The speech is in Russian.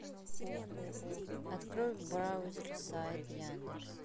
открой браузер сайт яндекс